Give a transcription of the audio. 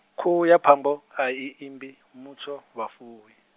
khuhu ya phambo, ayi, imbi, mutsho vhafuwi.